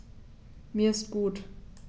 Mir ist gut.